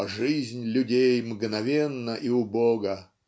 А жизнь людей мгновенна и убога